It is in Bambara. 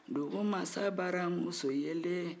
dugumansa baramuso yelen